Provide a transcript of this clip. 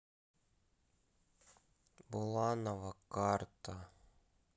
буланова карта